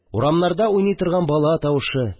Урамнарда уйный торган бала тавышы